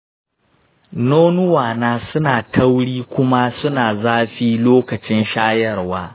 nonuwa na suna tauri kuma suna zafi lokacin shayarwa